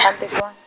a ni tekwan-.